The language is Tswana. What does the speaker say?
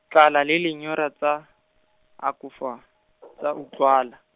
tlala le lenyora tsa, akofa, tsa utlwala.